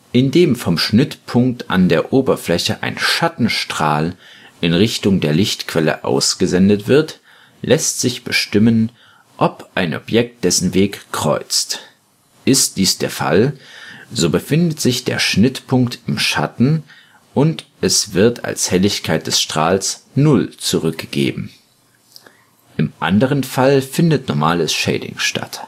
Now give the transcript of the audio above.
Indem vom Schnittpunkt an der Oberfläche ein Schattenstrahl in Richtung der Lichtquelle ausgesendet wird, lässt sich bestimmen, ob ein Objekt dessen Weg kreuzt. Ist dies der Fall, so befindet sich der Schnittpunkt im Schatten und es wird als Helligkeit des Strahls 0 zurückgegeben. Im anderen Fall findet normales Shading statt